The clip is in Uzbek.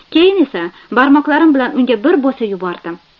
keyin esa barmoqlarim bilan unga bir bo'sa yubordim